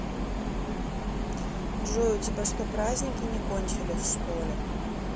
джой у тебя что праздники не кончились что ли